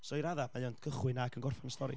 So i raddau, mae o'n cychwyn ac yn gorffen y stori...